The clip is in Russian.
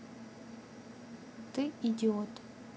ты идиот